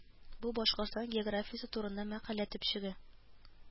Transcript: Бу Башкортстан географиясе турында мәкалә төпчеге